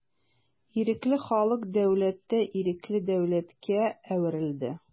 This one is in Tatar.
Ирекле халык дәүләте ирекле дәүләткә әверелде.